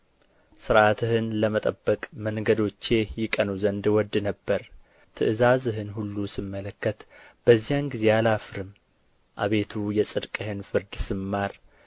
ሥርዓትህን ለመጠበቅ መንገዶቼ ይቀኑ ዘንድ እወድድ ነበር ትእዛዝህን ሁሉ ስመለከት በዚያን ጊዜ አላፍርም አቤቱ የጽድቅህን ፍርድ ስማር